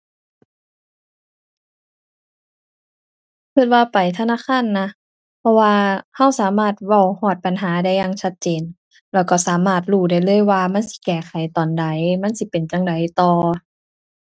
คิดว่าไปธนาคารนะ เพราะว่าคิดสามารถเว้าฮอดปัญหาได้อย่างชัดเจน แล้วคิดสามารถรู้ได้เลยว่ามันสิแก้ไขตอนใด มันสิเป็นจั่งใดต่อ